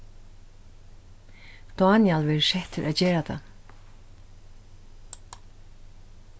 dánjal verður settur at gera tað